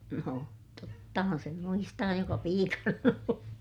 no tottahan sen muistaa joka piikana on ollut